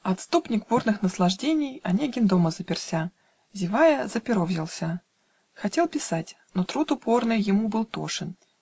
Отступник бурных наслаждений, Онегин дома заперся, Зевая, за перо взялся, Хотел писать - но труд упорный Ему был тошен